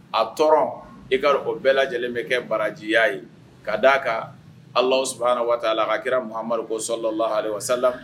A tɔɔrɔ i ka dɔn ka fɔ o bɛɛ lajɛlen bɛ kɛ baraji ya ye ka da kan alahu subahana watala a ka kira Mohamadu salalaha walema salam